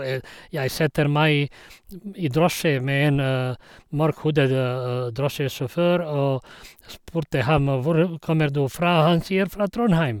Fra Trondheim.